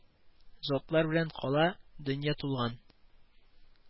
Затлар белән кала, дөнья тулган